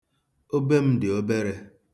Obe m dị obere.